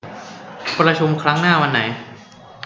ประชุมครั้งหน้าวันไหน